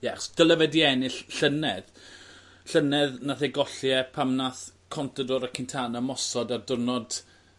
Ie 'chos dyle fe 'di ennill llynedd llynedd nath e golli e pan nath Contador a Quintana mosod ar diwrnod